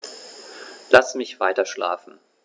Lass mich weiterschlafen.